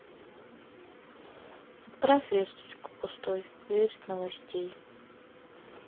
отправь весточку пустой верит новостей